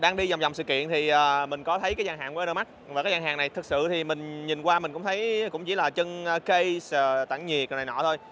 đang đi vòng vòng sự kiện thì mình có thấy gian hàng của enermax và cái gian hàng này thật sự mình nhìn qua mình cũng thấy chỉ là trưng case tản nhiệt này nọ thôi